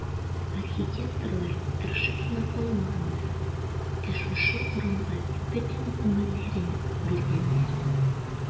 Архитекторлар тырышып кына калмаганнар, ә шушы урынга бөтен күңелләрен биргәннәр.